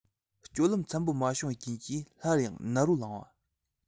སྤྱོད ལམ འཚམ པོ མ བྱུང བའི རྐྱེན གྱིས སླར ཡང ནད རོ ལངས པ